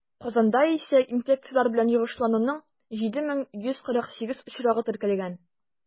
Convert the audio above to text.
Казанда исә инфекцияләр белән йогышлануның 7148 очрагы теркәлгән.